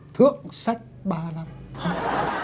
thượng sách ba năm